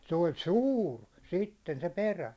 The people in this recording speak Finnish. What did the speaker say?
se oli suuri sitten se perä